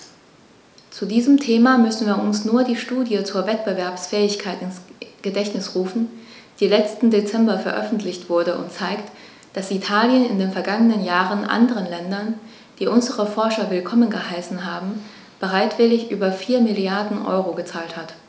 Zu diesem Thema müssen wir uns nur die Studie zur Wettbewerbsfähigkeit ins Gedächtnis rufen, die letzten Dezember veröffentlicht wurde und zeigt, dass Italien in den vergangenen Jahren anderen Ländern, die unsere Forscher willkommen geheißen haben, bereitwillig über 4 Mrd. EUR gezahlt hat.